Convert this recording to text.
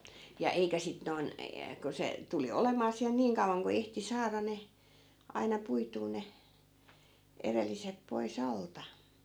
ja eikä sitten noin ja kun se tuli olemaan siellä niin kauan kun ehti saada ne aina puitua ne edelliset pois alta